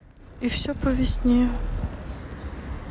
и все по весне